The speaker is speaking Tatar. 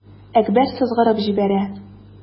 Әкбәр сызгырып җибәрә.